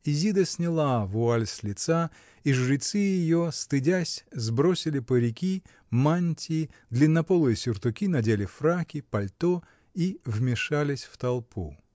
Изида сняла вуаль с лица, и жрецы ее, стыдясь, сбросили парики, мантии, длиннополые сюртуки, надели фраки, пальто и вмешались в толпу.